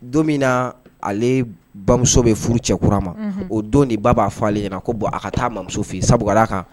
Don min na ale bamuso bɛ furu cɛkura ma o don ni ba b'a fɔale ɲɛna na ko bɔn a ka taa ma musofin sabula' a kan